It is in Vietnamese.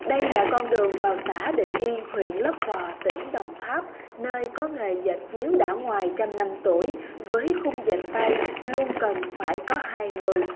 đây là con đường vào xã định yên huyện lấp vò tỉnh đồng tháp nơi có nghề dệt chiếu đã ngoài trăm năm tuổi với khung dệt tay luôn cần phải có hai người